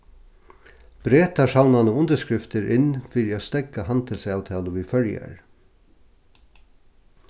bretar savna nú undirskriftir inn fyri at steðga handilsavtalu við føroyar